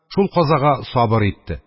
Шул казага сабыр итте.